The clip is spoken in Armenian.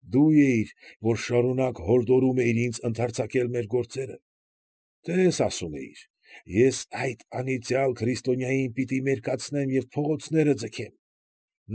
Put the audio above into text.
Դու էիր, որ շարունակ հորդորում էիր ինձ ընդարձակել մեր գործերը։ «Տես, ասում էիր, ես այդ անիծյալ քրիստոնյային պիտի մերկացնեմ և փողոցները ձգեմ։